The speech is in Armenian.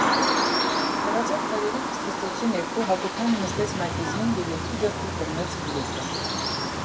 Հեռացող քայլերի քստքստոցի ներքո Հակոբյանը նստեց մայթեզրին ու երկու ձեռքով բռնեց գլուխը։